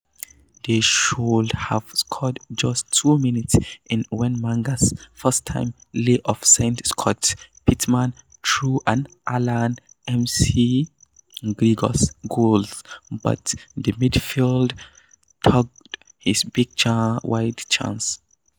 They should have scored just two minutes in when Menga's first-time lay-off sent Scott Pittman through on Allan McGregor's goal but the midfielder tugged his big chance wide.